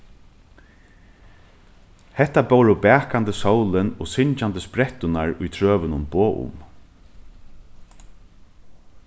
hetta bóru bakandi sólin og syngjandi spretturnar í trøunum boð um